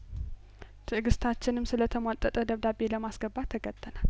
ትእግስ ታችንም ስለተ ሟጠጠ ደብዳቤ ለማስገባት ተገደናል